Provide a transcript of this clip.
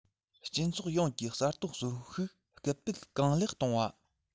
སྤྱི ཚོགས ཡོངས ཀྱི གསར གཏོད གསོན ཤུགས སྐུལ སྤེལ གང ལེགས གཏོང བ